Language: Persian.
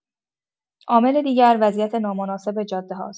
عامل دیگر، وضعیت نامناسب جاده‌ها است.